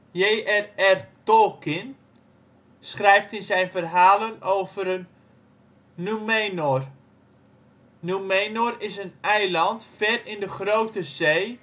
J.R.R. Tolkien schrijft in zijn verhalen over een " Númenor ". Númenor is een eiland, ver in de Grote Zee